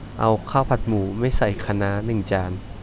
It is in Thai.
เอาข้าวผัดหมูไม่ใส่คะน้าหนึ่งจาน